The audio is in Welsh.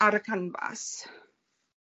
Ar y canfas.